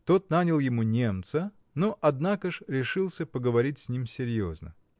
Тот нанял ему немца, но, однако ж, решился поговорить с ним серьезно.